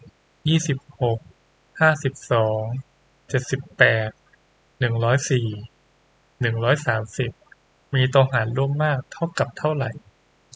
ยี่สิบหกห้าสิบสองเจ็ดสิบแปดหนึ่งร้อยสี่หนึ่งร้อยสามสิบมีตัวหารร่วมมากเท่ากับเท่าไหร่